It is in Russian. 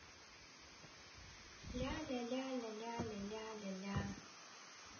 ляляляляляля